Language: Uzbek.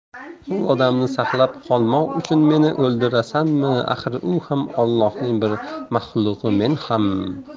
u odamni saqlab qolmoq uchun meni o'ldirasanmi axir u ham ollohning bir maxluqi men ham